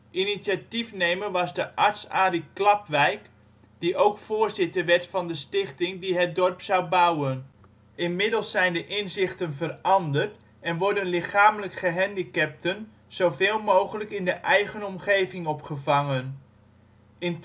Initiatiefnemer was de arts Arie Klapwijk, die ook voorzitter werd van de stichting die Het Dorp zou bouwen. Inmiddels zijn de inzichten veranderd en worden lichamelijk gehandicapten zoveel mogelijk in de eigen omgeving opgevangen. In